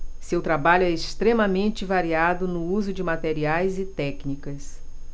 seu trabalho é extremamente variado no uso de materiais e técnicas